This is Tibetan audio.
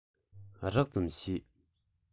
རགས ཙམ ཤེས